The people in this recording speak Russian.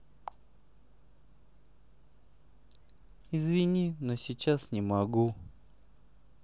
извини но сейчас не могу